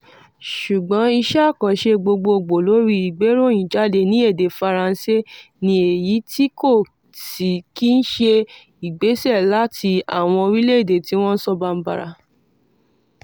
Ṣùgbọ́n iṣẹ́ àkànṣe gbogboogbò lórí ìgbéròyìnjáde ní èdè Faransé ni èyí tí kò sí kìí ṣe ìgbésẹ̀ láti àwọn orílẹ̀-èdè tí wọ́n ń sọ Bambara.